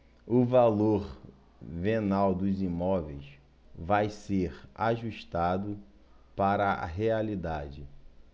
o valor venal dos imóveis vai ser ajustado para a realidade